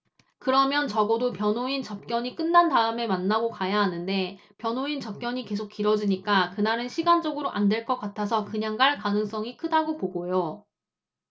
그러면 적어도 변호인 접견이 끝난 다음에 만나고 가야 하는데 변호인 접견이 계속 길어지니까 그날은 시간적으로 안 될 것 같아서 그냥 갈 가능성이 크다고 보고요